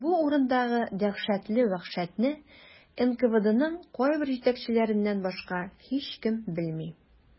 Бу урындагы дәһшәтле вәхшәтне НКВДның кайбер җитәкчеләреннән башка һичкем белми.